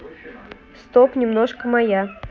стоп немножка моя